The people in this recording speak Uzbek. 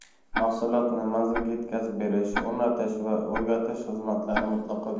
mahsulotni manzilga yetkazish o'rnatish va o'rgatish xizmatlari mutlaqo bepul